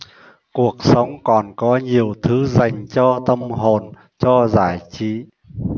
cuộc sống còn có nhiều thứ giành cho tâm hồn cho giải trí